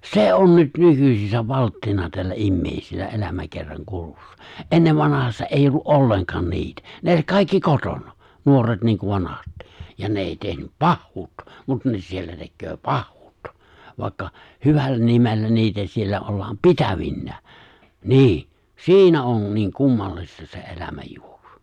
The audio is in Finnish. se on nyt nykyisin valttina täällä ihmisillä elämäkerran kulussa ennen vanhassa ei ollut ollenkaan niitä ne oli kaikki kotona nuoret niin kuin vanhatkin ja ne ei tehnyt pahuutta mutta ne siellä tekee pahuutta vaikka hyvällä nimellä niitä siellä ollaan pitävinään niin siinä on niin kummallista se elämänjuoksu